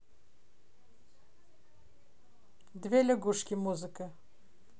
две лягушки музыка